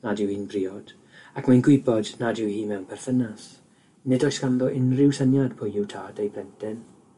nad yw hi'n briod, ac mae'n gwybod nad yw hi mewn perthynas. Nid oes ganddo unrhyw syniad pwy yw tad ei plentyn,